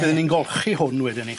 Bydden ni'n golchi hwn wedyn 'ny.